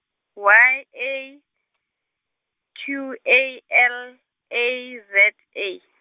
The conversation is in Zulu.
Y A, Q A L, A Z A.